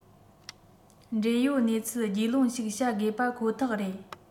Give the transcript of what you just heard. འབྲེལ ཡོད གནས ཚུལ རྒྱུས ལོན ཞིག བྱ དགོས པ ཁོ ཐག རེད